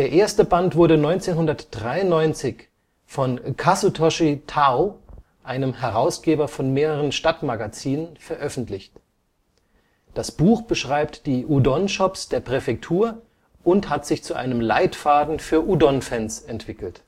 erste Band wurde 1993 von Kazutoshi Tao, einem Herausgeber von mehreren Stadtmagazinen, veröffentlicht. Das Buch beschreibt die Udon-Shops der Präfektur und hat sich zu einem Leitfaden für Udon-Fans entwickelt